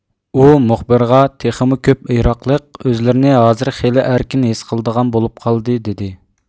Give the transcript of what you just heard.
ئۇ مۇخبىرغا تېخىمۇ كۆپ ئىراقلىق ئۆزلىرىنى ھازىر خېلى ئەركىن ھېس قىلىدىغان بولۇپ قالدى دېدى